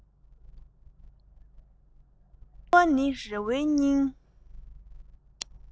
སྙི བ ནི རི བོའི སྙིང